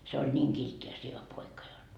se oli niin kiltti ja sievä poika jotta